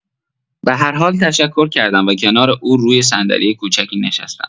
به هر حال تشکر کردم و کنار او روی صندلی کوچکی نشستم.